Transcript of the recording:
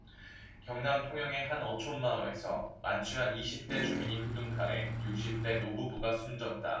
경남 통영의 한 어촌마을에서 만취한 이십 대 주민이 휘둔 칼에 육십 대 노부부가 숨졌다